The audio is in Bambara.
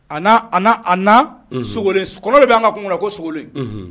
A a a kolon de b'an ka kun ko sogolen